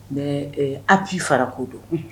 Mɛ a k'i fara ko don